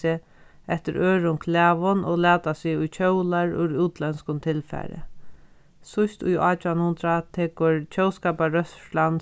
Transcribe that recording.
seg eftir øðrum klæðum og lata seg í kjólar úr útlendskum tilfari síðst í átjan hundrað tekur